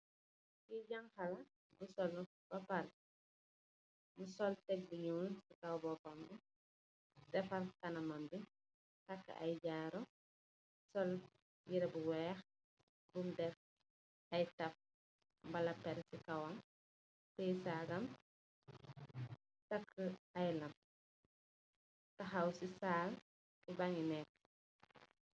Kii janxa la bu sollu ba paré, sol tek bu ñuul si kow boopam bi defar kanamam bi, takkë ay jaaru, sol yiree bu weex bum def ay taf, mballa per si kowam tiyee saagam, takkë ay lam, taxaw si Saal, fu bang yi neekë.